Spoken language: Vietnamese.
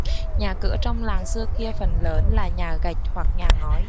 nhà cửa trong làng xưa kia phần lớn là nhà gạch hoặc nhà ngói